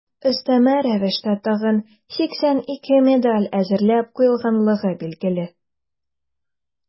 Өстәмә рәвештә тагын 82 медаль әзерләп куелганлыгы билгеле.